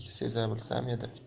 seza bilsam edi